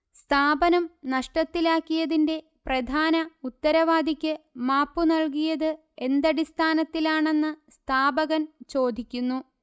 സ്ഥാപനം നഷ്ടത്തിലാക്കിയതിന്റെ പ്രധാന ഉത്തരവാദിയ്ക്ക് മാപ്പു നല്കിയത് എന്തടിസ്ഥാനത്തിലാണെന്ന് സ്ഥാപകൻ ചോദിക്കുന്നു